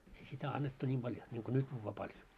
ei sitä annettu niin paljon niin kuin nyt juodaan paljon